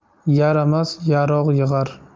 yaramas yarog' yig'ar